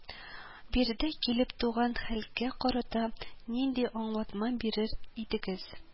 Биредә килеп туган хәлгә карата нинди аңлатма бирер идегез